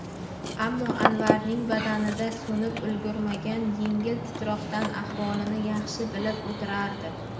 ammo anvarning badanida so'nib ulgurmagan yengil titroqdan ahvolini yaxshi bilib o'tirardi